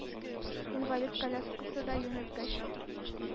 Инвалид коляскасы да юнәткәч,